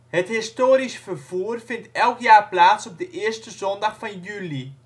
Het Historisch Vervoer vindt elk jaar plaats op de 1e zondag van juli